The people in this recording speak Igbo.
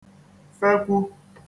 fekwū